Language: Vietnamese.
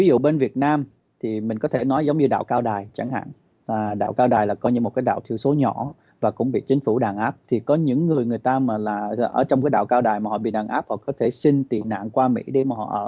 ví dụ bên việt nam thì mình có thể nói giống như đạo cao đài chẳng hạn tà đạo cao đài là coi như một cái đạo thiểu số nhỏ và cũng bị chính phủ đàn áp thì có những người người ta mà là ở trong quỹ đạo cao đài mọi bị đàn áp hoặc có thể xin tị nạn qua mỹ để họ ở